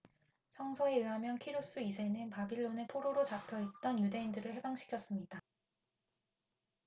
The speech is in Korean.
성서에 의하면 키루스 이 세는 바빌론에 포로로 잡혀 있던 유대인들을 해방시켰습니다